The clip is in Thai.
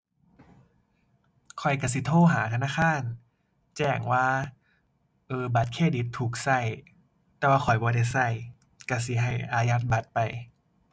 ข้อยก็สิโทรหาธนาคารแจ้งว่า เออ บัตรเครดิตถูกก็แต่ว่าข้อยบ่ได้ก็ ก็สิให้อายัดบัตรไป